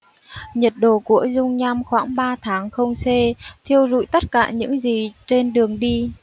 nhiệt độ của dung nham khoảng ba tháng không c thiêu rụi tất cả những gì trên đường đi